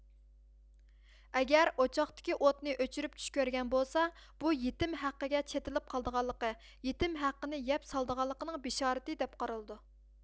ئەگەر ئوچاقتىكى ئوتنى ئۆچۈرۈپ چۈش كۆرگەن بولسا بۇ يېتىم ھەققىگە چېتىلىپ قالىدىغانلىقى يېتم ھەققىنى يەپ سالىدىغانلىقىنىڭ بىشارىتى دەپ قارىلىدۇ